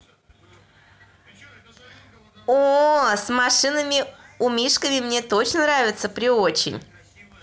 ооо с машинами умишками мне точно нравится приочень